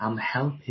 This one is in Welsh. am helpu